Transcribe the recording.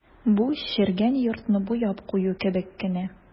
Бу черегән йортны буяп кую кебек кенә.